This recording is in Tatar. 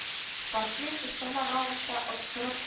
Спортсмен өстәмә раунда оттырып